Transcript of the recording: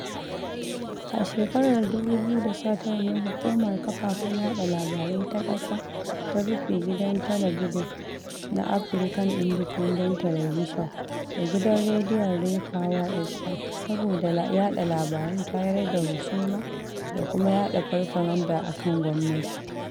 A shekarar 2019 ne Hukumar Kafafen Yaɗa Labarai Ta ƙasa ta rufe Gidan Talabijin na African Independent Television da Gidan Rediyon RayPower FM saboda yaɗa labaran tayar da husuma da kuma yaɗa farfaganda a kan gwamnati.